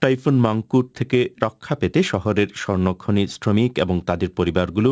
typhoon Mangkhut থেকে রক্ষা পেতে শহরের স্বর্ণ খনির শ্রমিক এবং তাদের পরিবারগুলো